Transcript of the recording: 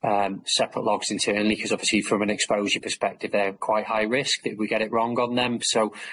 erm separate logs internally, 'cause obviously from an exposure perspective they're quite high risk, that if we get it wrong on them, so